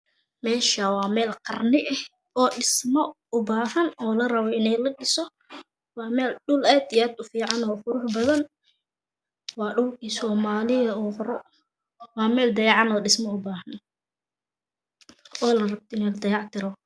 Meeshan waa meel qarni eh o dhismo ah oo ubahan inladhiso waa meel dhul aad iyo aad fiican oo qurux badan waa dhulki soomlida hore waa meel dayacan oona rabto in ladayac tiro